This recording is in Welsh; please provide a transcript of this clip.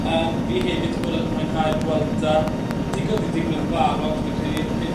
Yym fi hefyd 'di bod yn mwynhau'r Vuelta. Ma' digon 'di ddigwydd yn barod fi'n credu'r peth